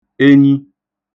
enyi